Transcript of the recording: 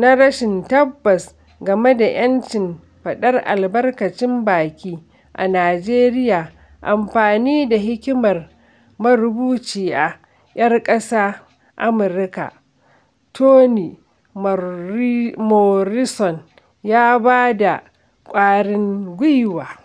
na rashin tabbas game da 'yancin faɗar albarkacin baki a Nijeriya, amfani da hikimar marubuciya 'yar ƙasar Amurka Toni Morrison ya ba da ƙwarin gwiwa.